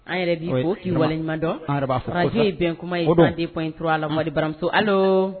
An yɛrɛ bi ko k'i waleɲumandɔnjo ye bɛn kuma yeden fɔ in t la malidi baramuso